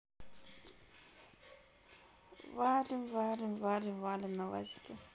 валим валим валим валим на вазике